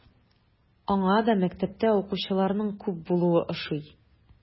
Аңа да мәктәптә укучыларның күп булуы ошый.